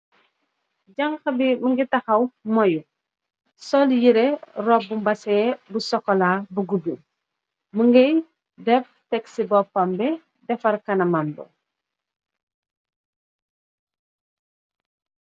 Janha bi mungi tahaw moyu, sol yire rob bu mbasee bu sokola bu guddu. Mu ngi def tek ci boppam bi, defar kanam mam bi.